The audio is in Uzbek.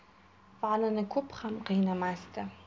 valini ko'p ham qiynamasdi